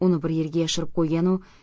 uni bir yerga yashirib qo'ygan u